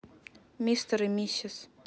мистер и миссис